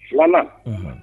2 nan. Unhun.